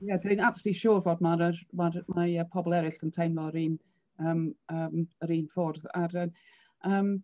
Ia dwi'n absolutely siŵr fod mae'r yr mae'r mae y pobl eraill yn teimlo'r un yym yym yr un ffordd a'r yym yym...